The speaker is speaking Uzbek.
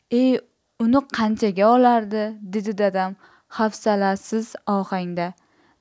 e uni qanchaga olardi dedi dadam hafsalasiz ohangda